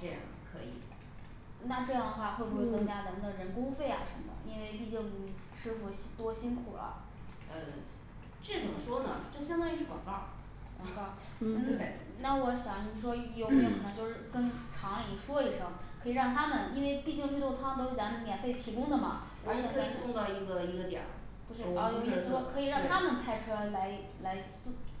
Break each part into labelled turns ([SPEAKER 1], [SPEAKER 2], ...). [SPEAKER 1] 这样可以
[SPEAKER 2] 那这样的话会不会增加咱们的人工费呀什么的，因为毕竟师傅多辛苦了
[SPEAKER 1] 嗯这怎么说呢这相当于是广告儿
[SPEAKER 2] 广告儿
[SPEAKER 1] 对
[SPEAKER 2] 那 那我想你说有没有可能就是跟厂 里说一声，可以让他们因为毕竟绿豆汤都是咱们免
[SPEAKER 1] 我
[SPEAKER 2] 费提供的嘛而且
[SPEAKER 1] 们
[SPEAKER 2] 还
[SPEAKER 1] 可以送到一个一个点儿
[SPEAKER 2] 不是
[SPEAKER 1] 呃我
[SPEAKER 2] 哦我
[SPEAKER 1] 们
[SPEAKER 2] 意
[SPEAKER 1] 只
[SPEAKER 2] 思
[SPEAKER 1] 是
[SPEAKER 2] 说可以
[SPEAKER 1] 对
[SPEAKER 2] 让他们派车来来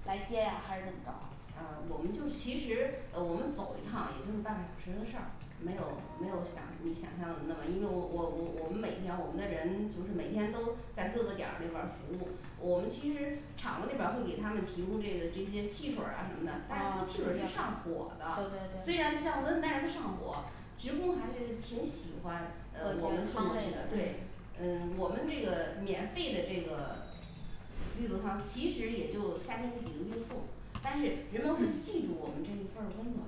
[SPEAKER 2] 来接呀还是怎么着啊
[SPEAKER 1] 哦我们就是其实呃我们走一趟也就是半个小时的事儿没有没有像你想象的那么因为我我我我们每一天我们的人就是每天都在各个点儿那边儿服务，我们其实厂子那边儿会给他们提供这个这些汽水呀什么的，但是喝
[SPEAKER 2] 噢
[SPEAKER 1] 汽水儿是
[SPEAKER 2] 饮
[SPEAKER 1] 上
[SPEAKER 2] 料
[SPEAKER 1] 火的
[SPEAKER 2] 对，
[SPEAKER 1] 虽然
[SPEAKER 2] 对
[SPEAKER 1] 降温
[SPEAKER 2] 对
[SPEAKER 1] 但是它上火职工还是挺喜欢呃
[SPEAKER 2] 绿豆
[SPEAKER 1] 我们送
[SPEAKER 2] 汤类
[SPEAKER 1] 去
[SPEAKER 2] 的
[SPEAKER 1] 的，对
[SPEAKER 2] 嗯
[SPEAKER 1] 嗯我们这个免费的这个绿豆汤其实也就夏天这几个月送，但是人们会记住我们这一份儿温暖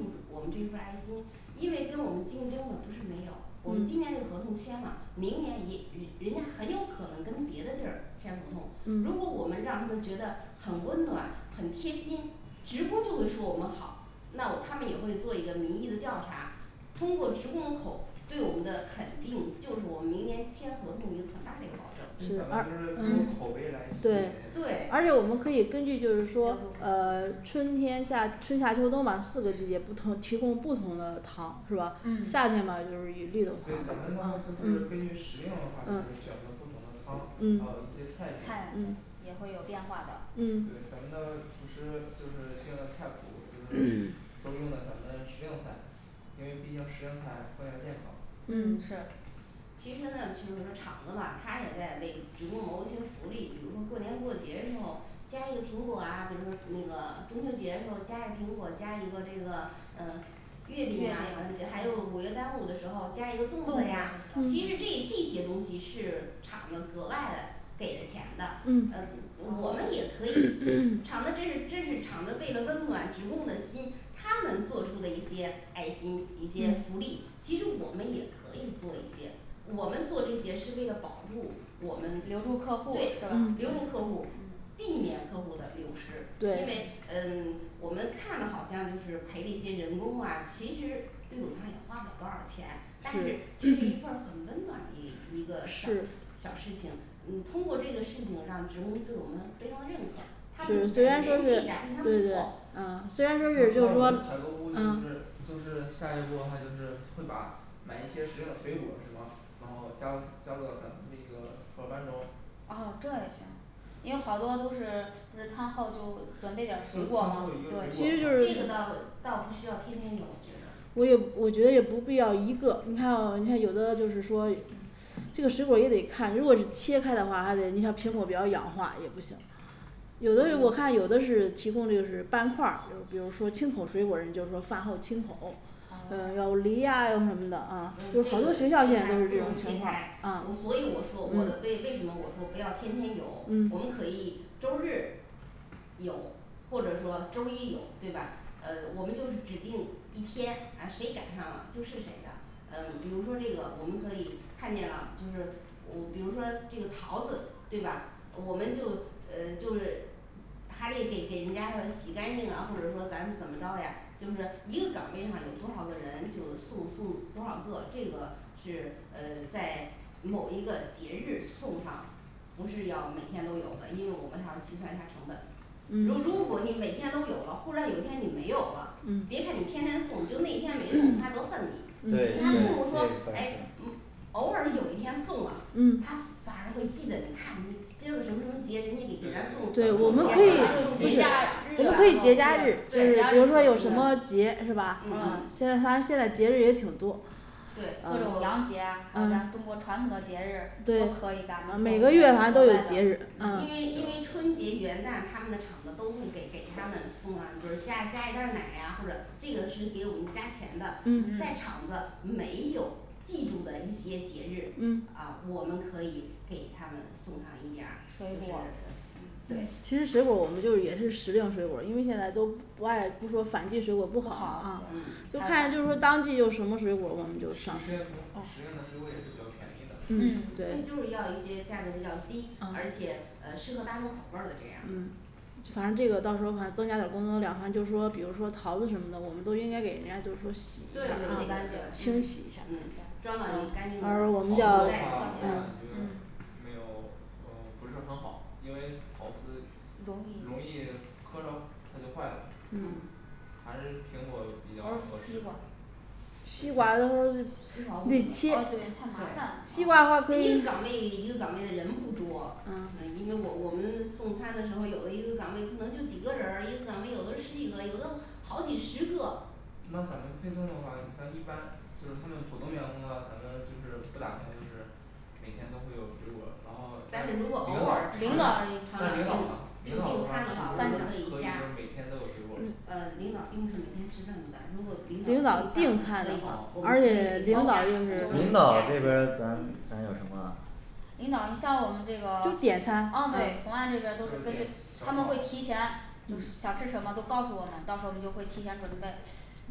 [SPEAKER 1] 记住我们这份儿爱心，因为跟我们竞争的不是没有，我们今年这合同签了，明年也也人家很有可能跟别的地儿签合同。如果
[SPEAKER 2] 嗯
[SPEAKER 1] 我们让他们觉得很温暖很贴心职工就会说我们好那我他们也会做一个民意的调查通过职工的口对我们的肯定，就是我们明年签合同一个很大的一个保
[SPEAKER 3] 咱们
[SPEAKER 1] 证
[SPEAKER 3] 就
[SPEAKER 1] 对
[SPEAKER 3] 是
[SPEAKER 4] 嗯
[SPEAKER 3] 用口碑来吸引
[SPEAKER 4] 对，
[SPEAKER 3] 人
[SPEAKER 4] 而且我们可以根据就是说呃春天夏春夏秋冬嘛四个季节给他们提供不同的汤是吧
[SPEAKER 1] 嗯嗯
[SPEAKER 4] 夏天嘛就
[SPEAKER 3] 对
[SPEAKER 4] 是绿豆
[SPEAKER 3] 咱们的话
[SPEAKER 4] 汤
[SPEAKER 3] 就
[SPEAKER 4] 嗯
[SPEAKER 3] 是根据食用的话就是选择不同的汤
[SPEAKER 4] 嗯
[SPEAKER 3] 啊一些菜
[SPEAKER 2] 菜
[SPEAKER 3] 品，对
[SPEAKER 2] 也会有变化的
[SPEAKER 4] 嗯
[SPEAKER 3] 咱们的厨师就是定的菜谱儿就是都用了咱们时令菜因为毕竟时令菜非常健康
[SPEAKER 2] 嗯是
[SPEAKER 1] 其实呢就是说厂子嘛它也在为职工谋一些福利，比如说过年过节的时候加一个苹果啊比如说那个中秋节的时候儿加一个苹果，加一个这个嗯
[SPEAKER 2] 月饼粽子什么的嗯
[SPEAKER 1] 月饼呀那些还有五月端午的时候加一个粽子呀因为这这些东西是厂子格外的给了钱的
[SPEAKER 2] 嗯
[SPEAKER 1] 呃我们也可以厂子支持支持厂子为了温暖职工的心，他们做出的一些爱心，一些
[SPEAKER 2] 嗯
[SPEAKER 1] 福利，其实我们也可以做一些我们做这些是为了保住我们对
[SPEAKER 2] 留
[SPEAKER 1] 留
[SPEAKER 2] 住
[SPEAKER 1] 住
[SPEAKER 2] 客
[SPEAKER 1] 客户
[SPEAKER 2] 户是吧嗯嗯，
[SPEAKER 1] 避免客户的流失，
[SPEAKER 2] 对
[SPEAKER 1] 因为嗯
[SPEAKER 2] 嗯
[SPEAKER 1] 我们看着好像就是赔了一些人工啊其实就它也花不了多少钱但是却是一份儿很温暖的一一个小
[SPEAKER 2] 是
[SPEAKER 1] 小事情，嗯通过这个事情让职工对我们非常认可他们会感觉唉
[SPEAKER 2] 我们
[SPEAKER 1] 这
[SPEAKER 2] 虽
[SPEAKER 1] 一
[SPEAKER 2] 然说
[SPEAKER 1] 家
[SPEAKER 2] 是
[SPEAKER 1] 对他
[SPEAKER 2] 对对对
[SPEAKER 3] 那那我们采购
[SPEAKER 2] 嗯虽然说
[SPEAKER 1] 们
[SPEAKER 2] 是就
[SPEAKER 1] 不
[SPEAKER 2] 是说
[SPEAKER 1] 错
[SPEAKER 3] 部就
[SPEAKER 2] 嗯
[SPEAKER 3] 是就是下一步那就是会把买一些时令水果儿什么然后加加入到咱们这个盒儿饭中
[SPEAKER 2] 哦这也行因为好多都是就是餐后
[SPEAKER 3] 就是餐后一个
[SPEAKER 2] 就准备点儿水
[SPEAKER 3] 水果
[SPEAKER 2] 果
[SPEAKER 1] 这
[SPEAKER 2] 嘛
[SPEAKER 1] 个倒倒不需要天天
[SPEAKER 4] 对
[SPEAKER 1] 有，我觉得
[SPEAKER 4] 我也我觉得也不必要一个你看啊你看有的就是说这个水果儿也得看，如果是切开的话它的你看苹果比较氧化也不行有的苹果看有的是
[SPEAKER 1] 嗯
[SPEAKER 4] 提供的就是斑块儿，比如说清口水果儿人就说饭后清口啊有
[SPEAKER 2] 哦
[SPEAKER 1] 嗯这个这个还不
[SPEAKER 4] 梨呀有什么的啊啊嗯嗯
[SPEAKER 1] 能切开，我所以我说我的为为什么我说不要天天有，我们可以周日有或者说周儿一有对吧嗯我们就是指定一天啊谁赶上了就是谁的嗯比如说这个我们可以看见了就是我比如说这个桃子对吧？我们就呃就是还得给给人家它洗干净啊或者说咱怎么着呀就是一个岗位上有多少个人就是送送多少个这个是呃在某一个节日送上不是要每天都有的，因为我们还要计算一下成本如如果
[SPEAKER 2] 嗯
[SPEAKER 1] 你每天都有了，忽然有一天你没有了，别看你
[SPEAKER 2] 嗯
[SPEAKER 1] 天天送，就那天没送他都恨你，
[SPEAKER 3] 对
[SPEAKER 1] 你还
[SPEAKER 3] 对
[SPEAKER 1] 不如
[SPEAKER 3] 这
[SPEAKER 1] 说
[SPEAKER 3] 个
[SPEAKER 1] 唉
[SPEAKER 2] 嗯
[SPEAKER 3] 是
[SPEAKER 1] 嗯偶尔有一天送了
[SPEAKER 2] 嗯
[SPEAKER 1] 他反而会记得你看接着什么什么节人家给咱送
[SPEAKER 3] 对
[SPEAKER 1] 送我们可以
[SPEAKER 3] 对
[SPEAKER 2] 节
[SPEAKER 1] 节假
[SPEAKER 2] 假
[SPEAKER 1] 日
[SPEAKER 2] 日
[SPEAKER 1] 对嗯嗯
[SPEAKER 2] 比如说什么节是吧现在反正现在节日也挺多
[SPEAKER 1] 对
[SPEAKER 2] 各种洋节呀还有咱中国传统的节日都可以给他们送一
[SPEAKER 1] 每个
[SPEAKER 2] 些
[SPEAKER 1] 月
[SPEAKER 2] 额
[SPEAKER 1] 反
[SPEAKER 2] 外
[SPEAKER 1] 正都有
[SPEAKER 2] 的
[SPEAKER 1] 节日因为因为春节元旦他们的厂子都会给给他们送上加加一袋儿奶呀或者这个是给我们加钱的在
[SPEAKER 4] 嗯
[SPEAKER 2] 嗯
[SPEAKER 1] 厂子没有记住的一些节日
[SPEAKER 2] 嗯
[SPEAKER 1] 啊我们可以给他们送上一点儿
[SPEAKER 2] 水
[SPEAKER 1] 就是
[SPEAKER 2] 果
[SPEAKER 1] 对
[SPEAKER 2] 嗯
[SPEAKER 4] 其实水果儿我们就是也是时令水果儿，因为现在都不爱不说反季水果
[SPEAKER 2] 不
[SPEAKER 4] 不好
[SPEAKER 2] 好啊
[SPEAKER 4] 哈就看
[SPEAKER 1] 嗯
[SPEAKER 4] 就是说当季有什么水果，
[SPEAKER 3] 时时令苹
[SPEAKER 4] 我们就
[SPEAKER 3] 时令的水果也是比较便宜
[SPEAKER 4] 嗯
[SPEAKER 3] 的
[SPEAKER 4] 对嗯
[SPEAKER 1] 对就是要一些价格比较低，而且呃适合大众口味儿的这样的
[SPEAKER 4] 嗯反正这个到时候哈增加点儿工作量哈就是说比如说桃子什么的，我们都应该给人家就是说
[SPEAKER 2] 对对对对
[SPEAKER 1] 嗯嗯
[SPEAKER 2] 对
[SPEAKER 4] 清
[SPEAKER 2] 清
[SPEAKER 4] 洗
[SPEAKER 2] 洗
[SPEAKER 4] 一
[SPEAKER 2] 一
[SPEAKER 4] 下
[SPEAKER 2] 下
[SPEAKER 4] 嗯
[SPEAKER 1] 装到一个干
[SPEAKER 3] 桃子的话我感觉
[SPEAKER 1] 净的塑料袋子里
[SPEAKER 4] 嗯
[SPEAKER 1] 面
[SPEAKER 3] 没有呃不是很好因为桃子
[SPEAKER 2] 容
[SPEAKER 3] 容易
[SPEAKER 2] 易
[SPEAKER 3] 磕着它就坏了
[SPEAKER 1] 嗯
[SPEAKER 3] 还
[SPEAKER 2] 还
[SPEAKER 3] 是苹果比较
[SPEAKER 2] 有
[SPEAKER 3] 合
[SPEAKER 2] 西
[SPEAKER 3] 适
[SPEAKER 2] 瓜
[SPEAKER 4] 西
[SPEAKER 1] 西瓜
[SPEAKER 4] 瓜
[SPEAKER 1] 一
[SPEAKER 4] 到时
[SPEAKER 1] 个岗
[SPEAKER 4] 候
[SPEAKER 1] 位
[SPEAKER 4] 儿
[SPEAKER 1] 一
[SPEAKER 4] 它
[SPEAKER 2] 哦
[SPEAKER 4] 都
[SPEAKER 2] 对
[SPEAKER 4] 得切啊
[SPEAKER 2] 太麻烦啊
[SPEAKER 1] 个岗位的人不多，因为我我们送餐的时候，有的一个岗位可能就几个人儿，一个岗位有的十几个，有的好几十个
[SPEAKER 3] 那咱们配送的话，你像一般就是他们普通员工的话，咱们就是不打算就是每天都会有水果儿，然
[SPEAKER 2] 嗯领
[SPEAKER 3] 后
[SPEAKER 1] 但
[SPEAKER 3] 那
[SPEAKER 1] 是
[SPEAKER 3] 领
[SPEAKER 1] 如果
[SPEAKER 3] 导
[SPEAKER 1] 偶尔领
[SPEAKER 3] 领导
[SPEAKER 1] 导
[SPEAKER 2] 导
[SPEAKER 1] 嗯
[SPEAKER 3] 那领导呢
[SPEAKER 1] 就
[SPEAKER 3] 领导是
[SPEAKER 1] 订
[SPEAKER 3] 不
[SPEAKER 1] 餐的话我们
[SPEAKER 3] 是
[SPEAKER 1] 可
[SPEAKER 3] 可以就
[SPEAKER 1] 以加
[SPEAKER 3] 是每天都有水果儿
[SPEAKER 1] 呃领导并不是每天吃饭的，如果
[SPEAKER 2] 领
[SPEAKER 1] 领
[SPEAKER 2] 导
[SPEAKER 1] 导
[SPEAKER 2] 订
[SPEAKER 1] 订
[SPEAKER 2] 餐
[SPEAKER 1] 饭
[SPEAKER 2] 了
[SPEAKER 1] 我们可以我
[SPEAKER 2] 而
[SPEAKER 1] 们可以
[SPEAKER 2] 且
[SPEAKER 1] 给他
[SPEAKER 2] 领
[SPEAKER 1] 加
[SPEAKER 2] 导就
[SPEAKER 1] 我们可以
[SPEAKER 2] 是
[SPEAKER 5] 领导
[SPEAKER 1] 加一
[SPEAKER 5] 这边儿
[SPEAKER 1] 些
[SPEAKER 5] 咱咱有什
[SPEAKER 1] 嗯
[SPEAKER 5] 么
[SPEAKER 2] 领导像我们这个啊
[SPEAKER 1] 不
[SPEAKER 4] 哦对
[SPEAKER 1] 点餐
[SPEAKER 2] 对红
[SPEAKER 3] 就
[SPEAKER 2] 案这边儿都是
[SPEAKER 3] 是
[SPEAKER 2] 根
[SPEAKER 3] 点
[SPEAKER 2] 据
[SPEAKER 3] 小
[SPEAKER 2] 他
[SPEAKER 3] 炒
[SPEAKER 2] 们会提前
[SPEAKER 3] 儿
[SPEAKER 2] 就是想吃什么都告诉我们，到时候儿我们就会提前准备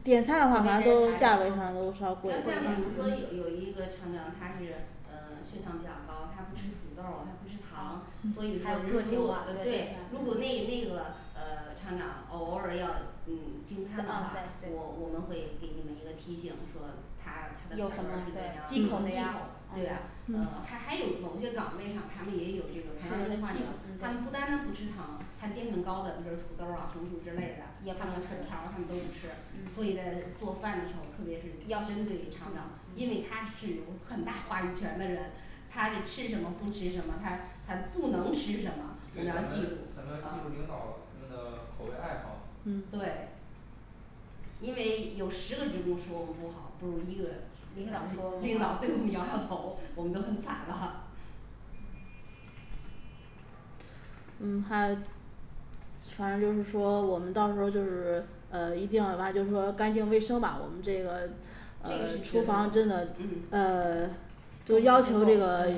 [SPEAKER 4] 点餐的话反正都是价格上
[SPEAKER 1] 要像
[SPEAKER 4] 都稍
[SPEAKER 1] 比
[SPEAKER 4] 贵一点
[SPEAKER 1] 如说有有一个
[SPEAKER 4] 儿嗯
[SPEAKER 1] 厂长他是嗯血糖比较高他不吃土豆
[SPEAKER 5] 嗯
[SPEAKER 1] 儿他不吃糖所以他如果如果对如果那那个嗯厂长偶尔要嗯订餐的话
[SPEAKER 2] 啊，对对
[SPEAKER 1] 我我们会给你们一个提醒，说他他的口
[SPEAKER 2] 有什
[SPEAKER 1] 味
[SPEAKER 2] 么
[SPEAKER 1] 儿是
[SPEAKER 2] 忌口的
[SPEAKER 1] 怎
[SPEAKER 2] 呀
[SPEAKER 1] 样对呀嗯还还有
[SPEAKER 2] 嗯
[SPEAKER 1] 某些岗位上，他们也有这个糖尿病患者，他
[SPEAKER 4] 嗯
[SPEAKER 1] 们不单单不吃糖，含淀粉高的，比说土豆儿啊红薯之类的，他们粉条儿
[SPEAKER 4] 嗯
[SPEAKER 1] 什么都不吃，所以在做饭的时候儿，特别是要针对于厂长，因为
[SPEAKER 2] 嗯
[SPEAKER 1] 他是有很大话语权的人他这吃什么不吃什么，他他不能
[SPEAKER 3] 对咱们咱们
[SPEAKER 1] 吃什么一定要记住
[SPEAKER 3] 要记
[SPEAKER 1] 啊
[SPEAKER 3] 住领导他们的口味爱好
[SPEAKER 1] 对
[SPEAKER 2] 嗯
[SPEAKER 1] 因为有十个职工说我们不好，不如一个领
[SPEAKER 2] 领
[SPEAKER 1] 导对我们摇摇
[SPEAKER 2] 导
[SPEAKER 1] 头，我们都很惨了
[SPEAKER 4] 嗯他反正就是说我们到时候儿就是呃一定要反正就是说干净卫生吧我们这个
[SPEAKER 1] 这个
[SPEAKER 4] 呃
[SPEAKER 1] 是
[SPEAKER 4] 厨
[SPEAKER 1] 绝
[SPEAKER 4] 房真
[SPEAKER 1] 对的
[SPEAKER 4] 的嗯
[SPEAKER 1] 嗯 还有一个就是嗯啊还
[SPEAKER 4] 主交给我们这个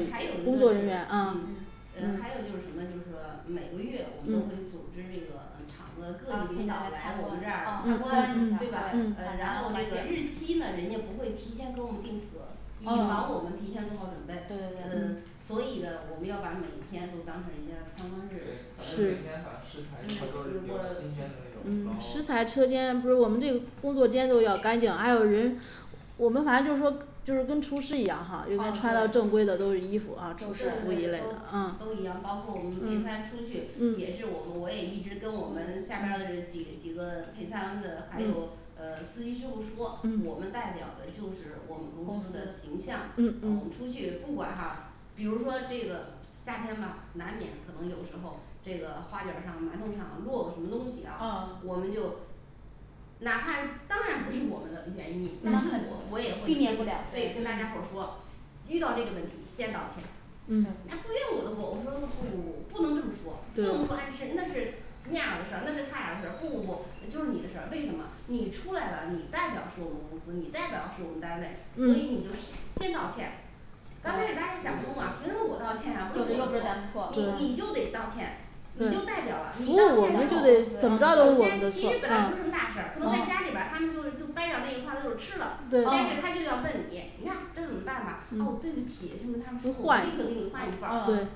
[SPEAKER 4] 工作人员啊嗯嗯
[SPEAKER 1] 有就是什么就是说每个月我们都会组织那个呃厂子
[SPEAKER 4] 让
[SPEAKER 1] 各级
[SPEAKER 4] 领
[SPEAKER 1] 领
[SPEAKER 4] 导
[SPEAKER 1] 导
[SPEAKER 4] 来
[SPEAKER 1] 来
[SPEAKER 4] 参
[SPEAKER 1] 我
[SPEAKER 4] 观
[SPEAKER 1] 们，这
[SPEAKER 4] 啊
[SPEAKER 1] 儿
[SPEAKER 4] 参
[SPEAKER 1] 参
[SPEAKER 4] 观
[SPEAKER 1] 观，
[SPEAKER 4] 一下儿
[SPEAKER 1] 对
[SPEAKER 4] 啊
[SPEAKER 1] 吧？呃然后这个
[SPEAKER 4] 对
[SPEAKER 1] 日期呢人家不会提前给我们定死以
[SPEAKER 4] 啊
[SPEAKER 1] 防我们提前做好准备
[SPEAKER 4] 对，对
[SPEAKER 1] 呃
[SPEAKER 4] 对
[SPEAKER 1] 所以呢我们要把每天都当成人家
[SPEAKER 3] 对
[SPEAKER 1] 的
[SPEAKER 3] 咱
[SPEAKER 1] 参观
[SPEAKER 3] 们
[SPEAKER 1] 日
[SPEAKER 4] 是
[SPEAKER 3] 每天把食材用的都是比较新鲜的那种然
[SPEAKER 4] 嗯
[SPEAKER 3] 后
[SPEAKER 4] 食材车间不是我们这个工作间都要干净还有人我们反正就是说就是跟厨师一样哈穿的正规的那种衣
[SPEAKER 1] 对对
[SPEAKER 4] 服啊嗯嗯嗯嗯
[SPEAKER 1] 对都都一样，包括我们配餐出去，也是我我也一直跟我们下边儿的人几几个配餐的，还有嗯司机师傅说，我们代
[SPEAKER 4] 嗯
[SPEAKER 1] 表的就是我们
[SPEAKER 2] 公
[SPEAKER 1] 公
[SPEAKER 2] 司
[SPEAKER 1] 司的形象呃
[SPEAKER 4] 嗯
[SPEAKER 1] 我
[SPEAKER 4] 嗯
[SPEAKER 1] 们出去不管哈比如说这个夏天嘛难免可能有时候这个花卷儿上馒头上落个什么东西啊我们就哪怕当然不是我们的原因，但是我我也会
[SPEAKER 2] 避免不了
[SPEAKER 1] 对跟大家伙儿
[SPEAKER 2] 嗯
[SPEAKER 1] 说遇到这个问题先道歉
[SPEAKER 2] 嗯
[SPEAKER 1] 那不怨我的我我说不不不不能这么说不
[SPEAKER 2] 对
[SPEAKER 1] 能说那是那样的事儿那是菜的事儿不不不呃就是你的事儿为什么你出来了，你代表是我们公司，你代表是我们单位，所以你就先道歉
[SPEAKER 2] 嗯嗯
[SPEAKER 3] 对
[SPEAKER 1] 刚开始
[SPEAKER 3] 对
[SPEAKER 1] 大家想不通啊凭什么我道
[SPEAKER 3] 对
[SPEAKER 1] 歉啊不是
[SPEAKER 2] 对又
[SPEAKER 1] 我
[SPEAKER 2] 不是咱的
[SPEAKER 1] 的
[SPEAKER 2] 错啊
[SPEAKER 1] 错你你就得道歉你就代表了
[SPEAKER 4] 对
[SPEAKER 1] 你道歉之后，首先其实本来不是什么大事儿可能在家里边儿他们就就掰掉那一块儿就是吃了，但是他就要问你，你看这怎么办吧啊对不起这个餐不是
[SPEAKER 2] 换
[SPEAKER 1] 立刻给你换一份
[SPEAKER 4] 啊
[SPEAKER 1] 儿
[SPEAKER 4] 对
[SPEAKER 2] 嗯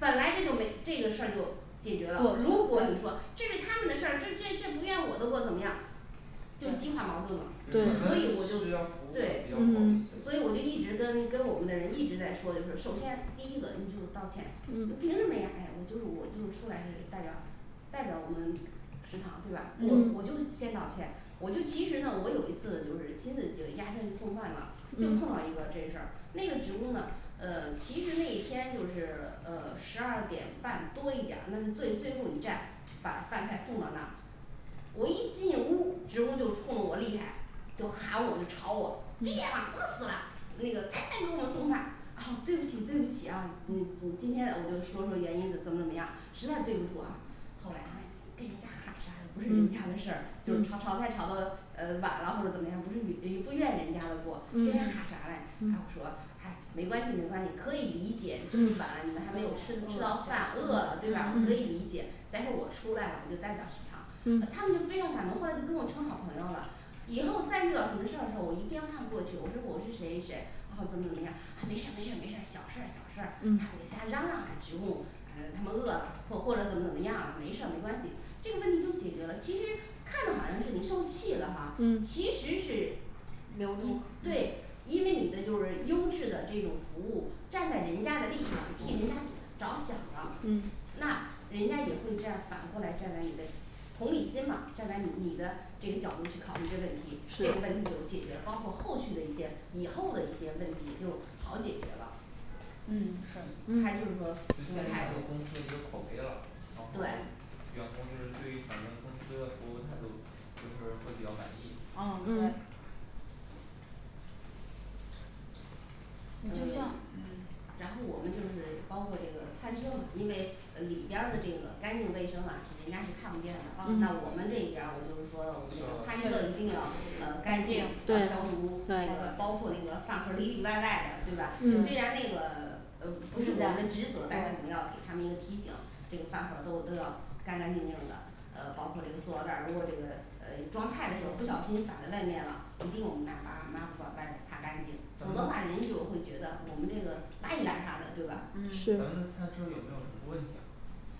[SPEAKER 1] 本来这就没这个事儿就解决了，如
[SPEAKER 4] 对
[SPEAKER 1] 果你说这是他们的事儿这这这不怨我的或怎么样就激化矛盾
[SPEAKER 4] 对
[SPEAKER 3] 对
[SPEAKER 1] 了所
[SPEAKER 3] 咱们
[SPEAKER 1] 以我就
[SPEAKER 3] 需要服务比
[SPEAKER 1] 对
[SPEAKER 4] 嗯嗯
[SPEAKER 1] 所以
[SPEAKER 3] 较
[SPEAKER 1] 我
[SPEAKER 3] 好
[SPEAKER 1] 就
[SPEAKER 3] 一些
[SPEAKER 1] 一直跟跟我们的人一直在说就是首先第一个你就道歉，那凭什么呀哎呀我就是我就是出来是代表代表我们食堂对吧我我
[SPEAKER 4] 嗯
[SPEAKER 1] 就先道歉我就其实呢我有一次就是亲自就押车去送饭嘛就碰到一个这
[SPEAKER 4] 嗯
[SPEAKER 1] 事儿那个职工呢呃其实那一天就是呃十二点半多一点儿那是最最后一站，把饭菜送到那儿我一进屋儿职工就冲我厉害就喊我就吵我几点了，饿
[SPEAKER 4] 嗯
[SPEAKER 1] 死了那个才来给我们送饭啊对不起对不起啊嗯我今天呢我就说说原因怎么怎么样实在对不住啊后来跟人家喊啥也不是
[SPEAKER 4] 嗯
[SPEAKER 1] 人家的事儿，就是炒炒菜炒
[SPEAKER 4] 嗯
[SPEAKER 1] 到嗯晚了或者怎么样，不是人不怨人家的过跟人家喊
[SPEAKER 4] 嗯
[SPEAKER 1] 啥嘞啊我
[SPEAKER 4] 嗯
[SPEAKER 1] 说嗨没关系没关系可以理解这么晚你们还没有吃吃到饭饿
[SPEAKER 4] 嗯
[SPEAKER 1] 了对吧？可以理解。但是我
[SPEAKER 4] 嗯
[SPEAKER 1] 出来了我就代表食堂嗯他们就非常感
[SPEAKER 4] 嗯
[SPEAKER 1] 动，后来就跟我成好朋友了，以后再遇到什么事儿的时候，我一电话过去，我说我是谁谁谁然后怎么怎么样啊没事儿没事儿小事儿小事儿他们瞎
[SPEAKER 4] 嗯
[SPEAKER 1] 嚷嚷呢职工呃他们饿了或或者怎么怎么样啊，没事儿没关系，这个问题就解决了，其实看着好像是你受气了哈其实
[SPEAKER 4] 嗯
[SPEAKER 1] 是
[SPEAKER 2] 留住嗯
[SPEAKER 1] 对因为你的就是优质的这种服务，站在人家的立场替人家着想了
[SPEAKER 2] 嗯
[SPEAKER 1] 那人家也会这样反过来站在你的同理心嘛站在你你的这个角度去考虑这问题这个问题
[SPEAKER 2] 是
[SPEAKER 1] 就解决了，包括后续的一些以后的一些问题也就好解决了
[SPEAKER 2] 嗯
[SPEAKER 1] 它就
[SPEAKER 2] 是
[SPEAKER 1] 是说
[SPEAKER 3] 得
[SPEAKER 1] 服务
[SPEAKER 3] 建立
[SPEAKER 1] 态
[SPEAKER 3] 咱们公司的一
[SPEAKER 1] 度
[SPEAKER 3] 个口碑了然后
[SPEAKER 1] 对
[SPEAKER 3] 员工就是对于咱们公司的服务态度就是会比较满意
[SPEAKER 2] 嗯对
[SPEAKER 1] 嗯
[SPEAKER 2] 你
[SPEAKER 1] 呃
[SPEAKER 2] 就像嗯
[SPEAKER 1] 然后我们就是包括这个餐车嘛因为呃里边儿的这个干净卫生啊人家是看不见的那我
[SPEAKER 4] 啊
[SPEAKER 1] 们这一边儿我就是说了我们这个餐具呢一
[SPEAKER 3] 需
[SPEAKER 1] 定要
[SPEAKER 3] 要
[SPEAKER 1] 嗯干净要消毒
[SPEAKER 4] 对
[SPEAKER 1] 这个包括那个饭盒儿里里外外的对吧？虽然那
[SPEAKER 4] 嗯
[SPEAKER 1] 个呃不是咱们的职责但是我们要给他们一个提醒这个饭盒儿都都要干干净净的呃包括这个塑料袋儿如果这个呃装菜的时候儿不小心洒在外面了，一定我们拿抹抹布把它外边儿擦干净，否则的话人就会觉得我们这个邋里邋遢的对
[SPEAKER 3] 咱们
[SPEAKER 1] 吧
[SPEAKER 3] 的餐
[SPEAKER 2] 嗯
[SPEAKER 3] 车有没有什么问题啊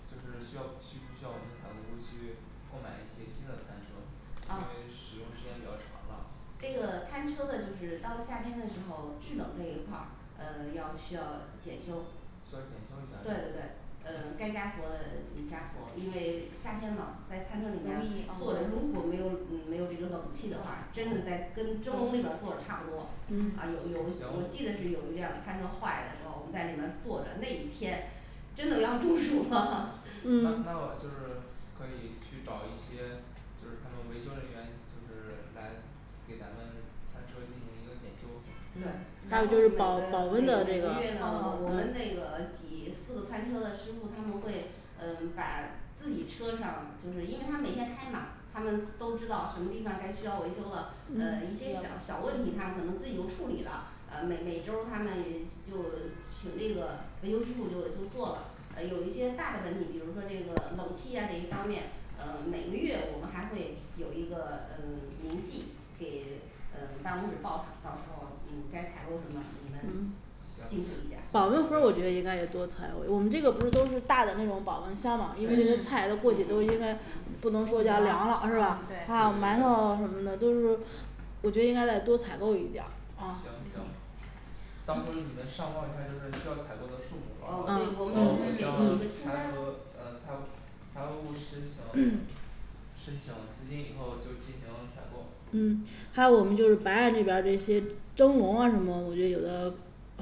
[SPEAKER 3] 就是需要需不需要我们采购部去购买一些新的餐车，因为使用
[SPEAKER 1] 哦
[SPEAKER 3] 时间比较长了
[SPEAKER 1] 这个餐车的就是到了夏天的时候制冷这一块儿呃要需要检修
[SPEAKER 3] 需要检修一下是吗
[SPEAKER 1] 对对对，呃该
[SPEAKER 3] 行，
[SPEAKER 1] 加氟的加氟因为
[SPEAKER 2] 容易哦
[SPEAKER 1] 夏天嘛在餐车里面儿坐着如果没有嗯没有这个冷气的话，真的
[SPEAKER 2] 对
[SPEAKER 1] 在跟蒸笼里边儿
[SPEAKER 3] 啊
[SPEAKER 1] 坐着差不多啊有有
[SPEAKER 2] 嗯
[SPEAKER 1] 有我
[SPEAKER 3] 行
[SPEAKER 1] 记得是有一辆餐车坏的时候，我们在里面儿坐着那一天真的要中暑
[SPEAKER 3] 那
[SPEAKER 1] 了
[SPEAKER 3] 那我就
[SPEAKER 2] 嗯
[SPEAKER 3] 是可以去找一些就是他们维修人员就是来给咱们餐车进行一个检修
[SPEAKER 1] 对然后每个每每个
[SPEAKER 4] 嗯保保温的
[SPEAKER 1] 月呢我我
[SPEAKER 2] 啊
[SPEAKER 1] 们那个几四个餐车的师傅，他们会嗯把自己车上就是因为他每天开嘛他们都知道什么地方儿该需要维修了嗯一些
[SPEAKER 2] 嗯
[SPEAKER 1] 小小问题，他们可能自己就处理了呃每每周儿他们就请那个维修师傅就就做了呃有一些大的问题，比如说这个冷气呀这些方面呃每个月我们还会有一个嗯明细给嗯办公室报上，到时候嗯该采购什么，你们
[SPEAKER 3] 行行没没有问题
[SPEAKER 1] 辛苦一点儿嗯嗯
[SPEAKER 2] 保温盒儿我觉得应该是多采购我们这个不都是大的那种保温箱嘛平时菜的过去不应该不
[SPEAKER 4] 对
[SPEAKER 2] 能是吧
[SPEAKER 1] 嗯
[SPEAKER 3] 对对
[SPEAKER 2] 像馒头都是
[SPEAKER 3] 对
[SPEAKER 2] 我觉得应该再多采购一
[SPEAKER 3] 行
[SPEAKER 2] 点儿嗯
[SPEAKER 3] 行到时候儿你们上报一下儿就是需要采购的数目然
[SPEAKER 1] 啊
[SPEAKER 3] 后然
[SPEAKER 1] 对
[SPEAKER 3] 后
[SPEAKER 1] 我们都
[SPEAKER 3] 我
[SPEAKER 1] 会
[SPEAKER 3] 们
[SPEAKER 2] 啊
[SPEAKER 1] 给
[SPEAKER 3] 向
[SPEAKER 1] 你一个清
[SPEAKER 3] 财
[SPEAKER 1] 单
[SPEAKER 3] 嗯财呃财务部申请申请资金以后就进行采购
[SPEAKER 4] 嗯还有我们就是白案这边儿这些蒸笼啊什么都我觉得有的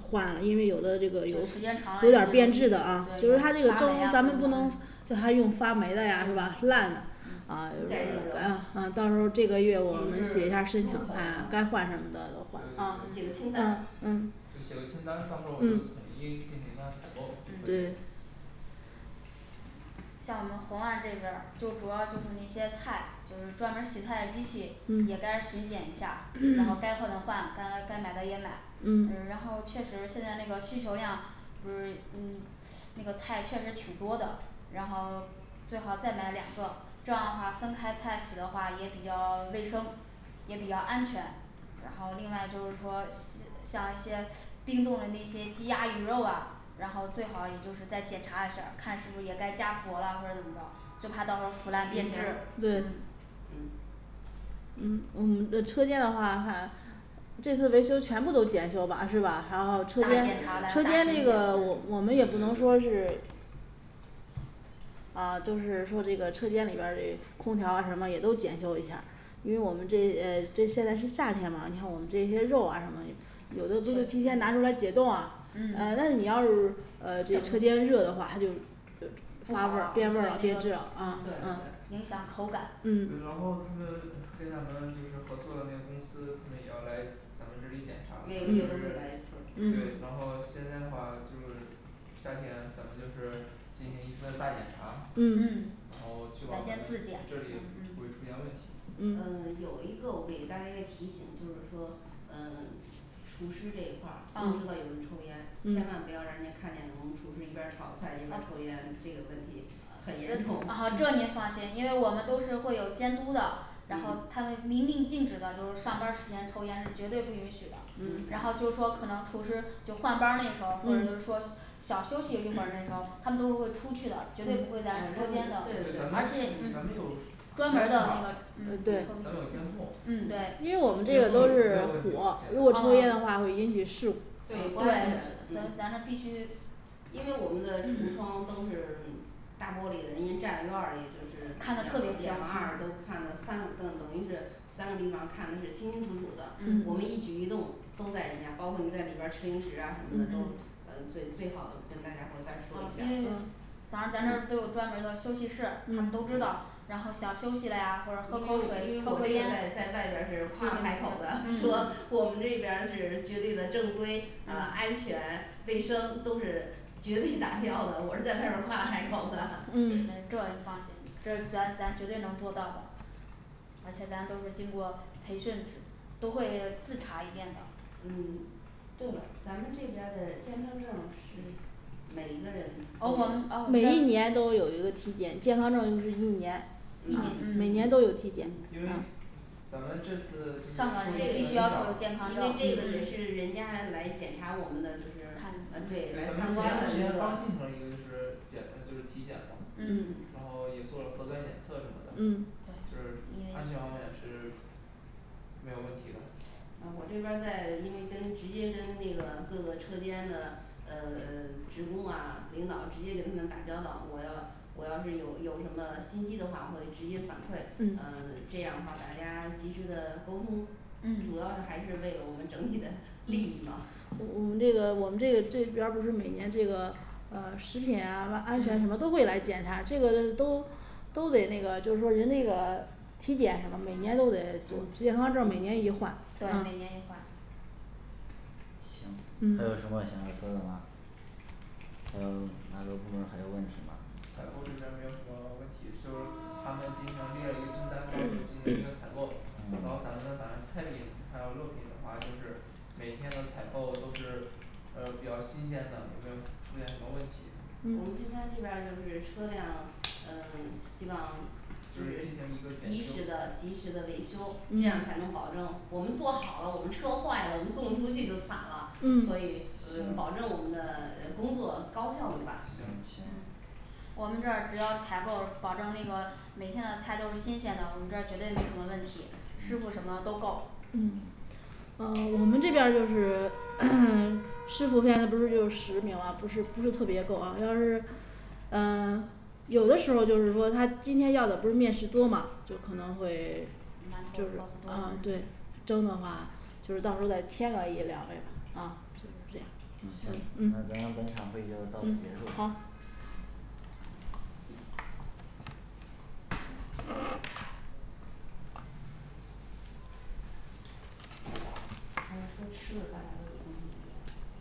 [SPEAKER 4] 换啊因为有的这个
[SPEAKER 2] 有
[SPEAKER 4] 有
[SPEAKER 2] 的时
[SPEAKER 4] 所
[SPEAKER 2] 间长了对发
[SPEAKER 4] 有
[SPEAKER 2] 霉呀或
[SPEAKER 4] 变质
[SPEAKER 2] 者，
[SPEAKER 4] 的
[SPEAKER 2] 嗯
[SPEAKER 4] 啊所以它这个蒸笼咱们不能叫它用发霉的呀对吧，
[SPEAKER 2] 对
[SPEAKER 4] 烂，的嗯
[SPEAKER 1] 就是入口的嘛
[SPEAKER 4] 到时候儿这个月我们写一下申请看该换什
[SPEAKER 3] 对对对
[SPEAKER 4] 么的换啊
[SPEAKER 3] 就写
[SPEAKER 1] 写个
[SPEAKER 3] 个
[SPEAKER 1] 清
[SPEAKER 3] 清
[SPEAKER 1] 单
[SPEAKER 3] 单到时候我就统一进行一下采购
[SPEAKER 4] 对
[SPEAKER 3] 就可以
[SPEAKER 4] 对
[SPEAKER 2] 像我们红案这边儿就主要就是那些菜，就是专门儿洗菜机器
[SPEAKER 4] 嗯
[SPEAKER 2] 也该巡检一下，然后该换的换该该买的也买
[SPEAKER 4] 嗯。
[SPEAKER 2] 然后确实现在那个需求量不是嗯那个菜确实挺多的，然后最好再买两个，这样的话分开菜洗的话也比较卫生也比较安全然后另外就是说呃像一些冰冻的那些鸡鸭鱼肉啊然后最好也就是再检查一下儿看是不是也该加氟了或者怎么着，就怕到时候儿腐烂
[SPEAKER 1] 变
[SPEAKER 2] 变形
[SPEAKER 1] 质
[SPEAKER 2] 对对
[SPEAKER 1] 嗯
[SPEAKER 2] 对
[SPEAKER 4] 嗯嗯就是车间的话哈这次维修全部都检修吧是吧？然后车
[SPEAKER 2] 大
[SPEAKER 4] 间
[SPEAKER 2] 检查大
[SPEAKER 4] 车
[SPEAKER 2] 巡
[SPEAKER 4] 间那
[SPEAKER 2] 检
[SPEAKER 3] 对对
[SPEAKER 4] 个我我们也不能说是
[SPEAKER 3] 对
[SPEAKER 4] 啊都是说这个车间里边儿这空调什么也都检修一下儿因为我们这些呃这现在是夏天嘛你看我们这些肉啊什么有的就是提前拿出来解冻啊那你
[SPEAKER 2] 嗯
[SPEAKER 4] 要是嗯这车间热的话，还得呃不好了变味嗯嗯
[SPEAKER 1] 对
[SPEAKER 2] 影
[SPEAKER 1] 对
[SPEAKER 2] 响口
[SPEAKER 3] 对
[SPEAKER 2] 感
[SPEAKER 3] 然
[SPEAKER 4] 嗯
[SPEAKER 3] 后他们跟咱们就是合作的那些公司，他们也要来咱们这里检查反
[SPEAKER 1] 每
[SPEAKER 3] 正
[SPEAKER 1] 个月
[SPEAKER 3] 就
[SPEAKER 1] 都会
[SPEAKER 3] 是
[SPEAKER 1] 来一次
[SPEAKER 3] 对
[SPEAKER 4] 嗯
[SPEAKER 3] 然后现在的话就是夏天咱们就是进行一次大检查，
[SPEAKER 4] 嗯
[SPEAKER 2] 嗯
[SPEAKER 3] 然后确保
[SPEAKER 2] 咱
[SPEAKER 3] 咱
[SPEAKER 2] 先
[SPEAKER 3] 们这
[SPEAKER 2] 自检
[SPEAKER 3] 里不会出现问
[SPEAKER 2] 嗯
[SPEAKER 1] 嗯
[SPEAKER 2] 嗯
[SPEAKER 3] 题
[SPEAKER 1] 有一个我给大家个提醒，就是说嗯 厨师这一块儿
[SPEAKER 4] 哦嗯
[SPEAKER 1] 不知道有人抽烟，千万不要让人家看见我们厨师一边儿炒菜一边儿抽烟，这个
[SPEAKER 4] 哦
[SPEAKER 1] 问题很严重
[SPEAKER 2] 啊这您放心，因为我们都是会有监督的，然后
[SPEAKER 1] 嗯
[SPEAKER 2] 他们明令禁止的就是上班儿时间抽烟是绝对
[SPEAKER 1] 嗯
[SPEAKER 2] 不允许的然后
[SPEAKER 1] 嗯
[SPEAKER 2] 就是说可能厨师就换班儿那个时候儿或者就是说小休息一会儿那时候，他们都会出去的，绝对不会在
[SPEAKER 1] 嗯
[SPEAKER 3] 对
[SPEAKER 2] 车间的
[SPEAKER 3] 咱，们
[SPEAKER 2] 而且嗯
[SPEAKER 3] 咱们有咱们有监控
[SPEAKER 2] 专门儿的那个嗯对
[SPEAKER 3] 监控
[SPEAKER 4] 嗯
[SPEAKER 2] 嗯
[SPEAKER 4] 对
[SPEAKER 3] 没
[SPEAKER 4] 因
[SPEAKER 3] 有
[SPEAKER 4] 为我
[SPEAKER 3] 问
[SPEAKER 4] 们这个都是
[SPEAKER 3] 题
[SPEAKER 4] 锁
[SPEAKER 3] 吧现
[SPEAKER 4] 如果
[SPEAKER 3] 在
[SPEAKER 4] 抽烟的话会引起事故
[SPEAKER 1] 对不安
[SPEAKER 2] 对
[SPEAKER 1] 全
[SPEAKER 2] 咱咱们必
[SPEAKER 1] 嗯
[SPEAKER 2] 须
[SPEAKER 1] 因为我们的橱窗都是大玻璃的，人家站院儿里就是
[SPEAKER 2] 看
[SPEAKER 1] 两
[SPEAKER 2] 的特别清
[SPEAKER 1] 两面儿都看的饭
[SPEAKER 2] 嗯
[SPEAKER 1] 等等于是三个地方儿看的是清清楚楚的，我们一举
[SPEAKER 2] 嗯
[SPEAKER 1] 一动都在人家包括你在里边儿吃零食呀什么
[SPEAKER 2] 嗯
[SPEAKER 1] 的，都
[SPEAKER 2] 嗯
[SPEAKER 1] 嗯最最好跟大家伙儿再说
[SPEAKER 2] 好
[SPEAKER 1] 一下
[SPEAKER 2] 因为
[SPEAKER 1] 儿
[SPEAKER 2] 反正咱那儿都有专门儿的休息室，他们都知道，然后想休息了呀
[SPEAKER 1] 因为因为我
[SPEAKER 2] 或者喝口水，抽
[SPEAKER 1] 这
[SPEAKER 2] 根烟，
[SPEAKER 1] 边
[SPEAKER 2] 嗯嗯
[SPEAKER 1] 儿在在外边儿是夸了海口的 说我们这边儿是绝对的正规啊安全卫生都是绝对达标的，我是在外边儿夸了
[SPEAKER 2] 嗯这你
[SPEAKER 1] 海口的
[SPEAKER 2] 就放心这咱咱绝对能做到的而且咱都是经过培训都会自查一遍的
[SPEAKER 1] 嗯对了，咱们这边儿的健康证儿是每个人
[SPEAKER 4] 哦我们啊每一年都有一个体检健康证儿，就是一年
[SPEAKER 1] 嗯
[SPEAKER 4] 每
[SPEAKER 2] 一
[SPEAKER 1] 嗯
[SPEAKER 4] 年
[SPEAKER 2] 年嗯
[SPEAKER 4] 都有体
[SPEAKER 3] 因
[SPEAKER 4] 检
[SPEAKER 3] 为咱们这次就是受
[SPEAKER 2] 上岗
[SPEAKER 3] 疫
[SPEAKER 2] 必
[SPEAKER 3] 情影
[SPEAKER 2] 须要
[SPEAKER 3] 响
[SPEAKER 2] 求
[SPEAKER 3] 咱们
[SPEAKER 2] 健
[SPEAKER 3] 前段
[SPEAKER 2] 康
[SPEAKER 3] 时
[SPEAKER 1] 因
[SPEAKER 2] 证
[SPEAKER 3] 间
[SPEAKER 2] 儿
[SPEAKER 1] 为
[SPEAKER 2] 嗯
[SPEAKER 3] 刚
[SPEAKER 2] 看
[SPEAKER 3] 进
[SPEAKER 1] 这
[SPEAKER 3] 行了
[SPEAKER 1] 个
[SPEAKER 3] 一个就是检
[SPEAKER 1] 也
[SPEAKER 3] 就
[SPEAKER 1] 是人家来检查我们的就是啊对来参观的
[SPEAKER 3] 是体检嘛
[SPEAKER 2] 嗯
[SPEAKER 1] 嗯
[SPEAKER 3] 然后也做了核酸检测什么的
[SPEAKER 2] 嗯
[SPEAKER 3] 就是安全方面
[SPEAKER 2] 对
[SPEAKER 3] 是没有问题的
[SPEAKER 1] 啊我这边儿在因为跟直接跟那个各个车间的呃呃职工啊领导直接给他们打交道，我要我要是有有什么信息的话我会直接反馈嗯这
[SPEAKER 4] 嗯
[SPEAKER 1] 样的话大家及时的沟通主要是
[SPEAKER 4] 嗯
[SPEAKER 1] 还是为了我们整体的 利益嘛
[SPEAKER 4] 我们这个我们这个这边儿不是每年这个呃食品呀和安全什么都会
[SPEAKER 1] 嗯
[SPEAKER 4] 来检查这个都都得那个就是说人那个体检嘛每年都得健康证每年一换
[SPEAKER 2] 对
[SPEAKER 4] 啊
[SPEAKER 2] 每年一换
[SPEAKER 5] 行还有什
[SPEAKER 4] 嗯
[SPEAKER 5] 么想要说的吗还有其它各部门儿还有问题吗
[SPEAKER 3] 采购这边儿没有什么问题，就是他们今天列了一个清单，到时候儿进行一个采购，然后
[SPEAKER 5] 嗯
[SPEAKER 3] 咱们反正菜品还有肉品的话就是每天的采购都是呃比较新鲜的没有出现什么问题
[SPEAKER 1] 我们配餐这边儿
[SPEAKER 2] 嗯
[SPEAKER 1] 就是车辆嗯希望
[SPEAKER 3] 就是进行一
[SPEAKER 1] 及时的
[SPEAKER 3] 个检
[SPEAKER 1] 及时
[SPEAKER 3] 修
[SPEAKER 1] 的维
[SPEAKER 3] 行
[SPEAKER 1] 修，这样才能保证我们做好了，我们车坏了，我们送不出去就惨了，所以嗯保证我们的
[SPEAKER 5] 嗯
[SPEAKER 1] 呃工作高效率吧
[SPEAKER 2] 嗯
[SPEAKER 5] 行
[SPEAKER 2] 我们这儿只要采购保证那个每天的菜都是新鲜的，我们这儿绝对没什么问题师傅
[SPEAKER 5] 嗯
[SPEAKER 2] 什么都够
[SPEAKER 4] 嗯嗯我们这边儿就是 师傅现在不是只有十名嘛不是不是特别够啊要是嗯有的时候儿就是说他今天要的不是面食多嘛就是可能会
[SPEAKER 2] 馒头包
[SPEAKER 4] 嗯
[SPEAKER 2] 子
[SPEAKER 4] 对
[SPEAKER 2] 多
[SPEAKER 4] 蒸的话就是到时候再添个一两个人啊
[SPEAKER 5] 嗯行那咱们本
[SPEAKER 4] 嗯
[SPEAKER 5] 场会议就到此
[SPEAKER 4] 嗯
[SPEAKER 5] 结束
[SPEAKER 4] 好
[SPEAKER 1] 还是说吃的的大家都有共同语言